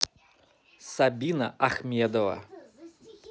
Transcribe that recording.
сабина ахмедова